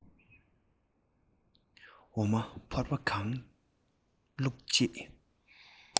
འོ མ ཕོར པ གང ལྡུད རྗེས